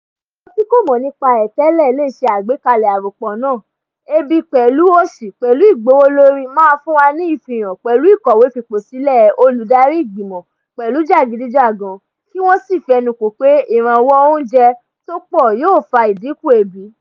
Àwọn tí kò nímọ̀ nípa ẹ̀ tẹ́lẹ̀ lè ṣe àgbékalẹ̀ àròpò náà:ebi pẹ̀lú òṣì pẹ̀lú ìgbówòlórí máa fún wa ní Ìfihàn pẹ̀lú Ìkọ̀wé fipòsílẹ̀ olùdarí Ìgbìmọ̀ pẹ̀lú Jàgídíjàgan, kí wọ́n sì fẹnukò pé ìrànwọ́ oúnjẹ́ tó pọ̀ yòó fa ìdínkù ebi.